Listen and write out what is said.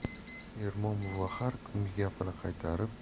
ermon buva har kungi gapini qaytarib